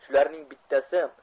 shularning bittasi